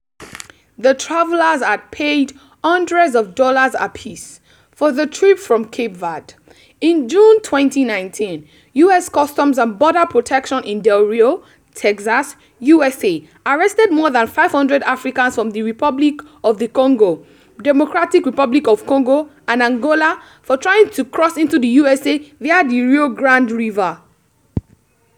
The travelers had paid “hundreds of dollars apiece” for the trip from Cape Verde. In June 2019, US Customs and Border Protection in Del Rio, Texas, USA, arrested more than 500 Africans from Republic of the Congo, Democratic Republic of Congo, and Angola, for trying to cross into the USA via the Rio Grande River.